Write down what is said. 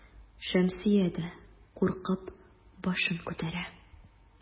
Шәмсия дә куркып башын күтәрә.